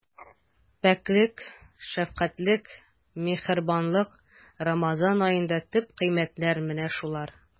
Пакьлек, шәфкатьлелек, миһербанлык— Рамазан аенда төп кыйммәтләр менә шулар.